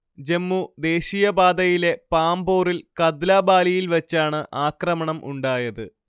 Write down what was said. ജമ്മു ദേശീയപാതയിലെ പാംപോറിൽ കദ്ലാബാലിൽ വച്ചാണ് ആക്രമണം ഉണ്ടായത്